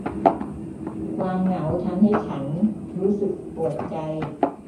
ความเหงาทำให้ฉันรู้สึกปวดใจ